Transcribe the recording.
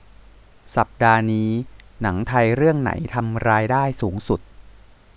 สัปดาห์นี้หนังไทยเรื่องไหนทำรายได้สูงสุด